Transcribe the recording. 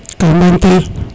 ka bañ tel